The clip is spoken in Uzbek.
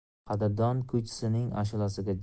qadrdon kuychisining ashulasiga